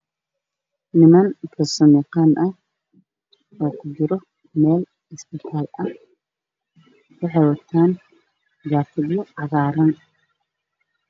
Waa niman farsamo yaqaan wataan dhar cagaar ah